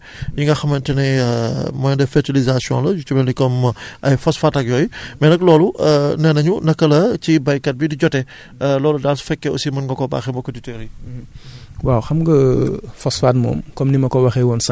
waaw léegi nag li ngeen fi wax yépp am na solo mais tamit terewul am na yeneen moyens yi nga xamante ne moyen de fertilisation la yu si mel ni comme ay phosphate ak yooyu mais nag loolu nee nañu naka la ci baykat bi di jote loolu daal su fekkee aussi mën nga koo baaxee mbokku auditeurs yi